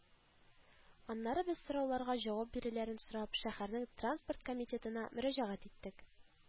Аннары без сорауларга җавап бирүләрен сорап шәһәрнең Транспорт комитетына мөрәҗәгать иттек